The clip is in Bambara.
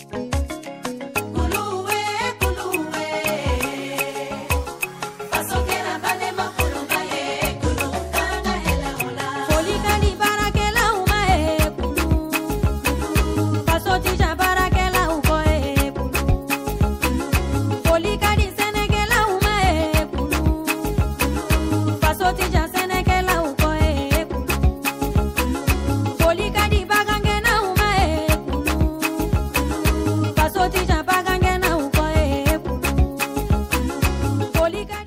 Kolo bɛ kun bɛ fasoki ba kun kun ka barakɛla we kun katise barakɛlakɔ kun boli ka sɛnɛkɛla bɛ kun fasotise sɛnɛkɛlakɔ kun boli kadi bagankɛnɛ bɛ kun fasotise bagankɛnɛ gɛn kunka